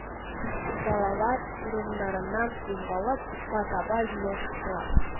Балалар, урыннарыннан кузгалып, утка таба җыелыштылар